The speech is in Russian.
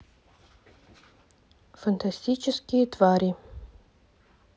фантастические твари